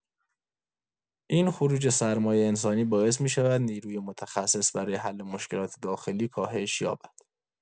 این خروج سرمایه انسانی باعث می‌شود نیروی متخصص برای حل مشکلات داخلی کاهش یابد.